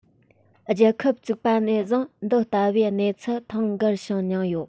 རྒྱལ ཁབ བཙུགས པ ནས བཟུང འདི ལྟ བུའི གནས ཚུལ ཐེངས འགར བྱུང མྱོངས ཡོད